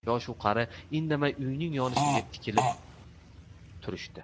yoshu qari indamay uyning yonishiga tikilib turishdi